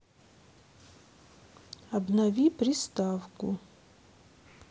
обнови приставку